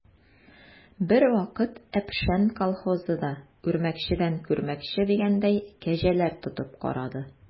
Бервакыт «Әпшән» колхозы да, үрмәкчедән күрмәкче дигәндәй, кәҗәләр тотып карады.